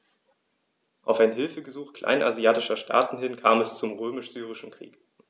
Auf ein Hilfegesuch kleinasiatischer Staaten hin kam es zum Römisch-Syrischen Krieg.